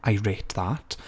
I rate that.